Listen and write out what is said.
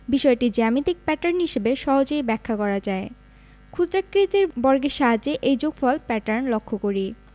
বিষয়টি জ্যামিতিক প্যাটার্ন হিসেবে সহজেই ব্যাখ্যা করা যায় ক্ষুদ্রাকৃতির বর্গের সাহায্যে এই যোগফল প্যাটার্ন লক্ষ করি